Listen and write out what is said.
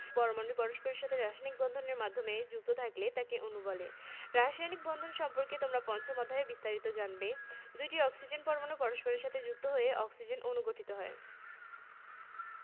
এঁটেল ও পলি দোআঁশ মাটি ধান চাষের জন্য উপযোগী ধানের জাতসমূহঃ বাংলাদেশে তিন প্রকারের ধান আছে যথাঃ ক স্থানীয় জাতঃ টেপি গিরবি